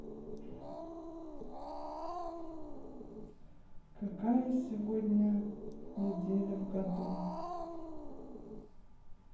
какая сегодня неделя в году